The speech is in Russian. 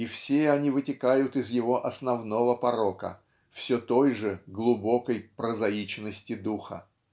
и все они вытекают из его основного порока -- все той же глубокой прозаичности духа.